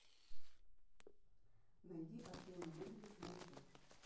найди артемий лебедев на ютуб